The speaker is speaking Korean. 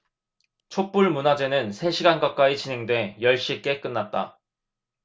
촛불 문화제는 세 시간 가까이 진행돼 열 시께 끝났다